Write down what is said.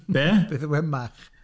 Be?... Beth yw e'n Mach?